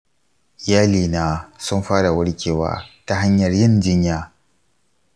iyalina sun fara warkewa ta hanyar yin jinya.